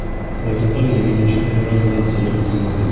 Советлар 20 октябрьгә кадәр төзелеп бетәргә тиеш.